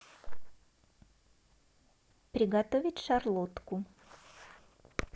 приготовить шарлотку